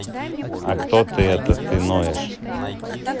а как ты это ты ноешь